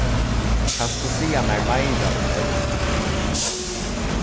kanst tú siga mær meira um evnið